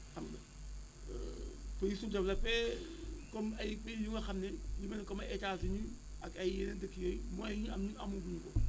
xam nga pays sous développé comme ay pays yu nga xam ne yu mel ni comme ay Etat-unis ak ay yeneen dëkk yooyu moyens yi ñu am ñun amaguñ ko